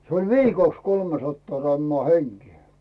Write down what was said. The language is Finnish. se oli viikoksi kolmesataa grammaa henkeen